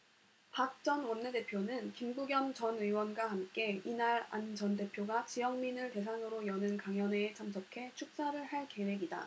박 전 원내대표는 김부겸 전 의원과 함께 이날 안 전 대표가 지역민을 대상으로 여는 강연회에 참석해 축사를 할 계획이다